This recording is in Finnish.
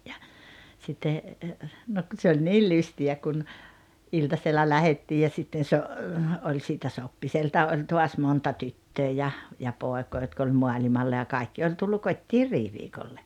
ja sitten no kun se oli niin lystiä kun iltasella lähdettiin ja sitten - oli siitä Soppiselta oli taas monta tyttöä ja ja poikaa jotka oli maailmalla ja kaikki oli tullut kotiin riiviikolle